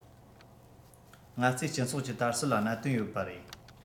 ང ཚོས སྤྱི ཚོགས ཀྱི དར སྲོལ ལ གནད དོན ཡོད པ རེད